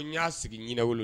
N y'a sigi ɲ wolo